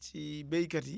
si béykat yi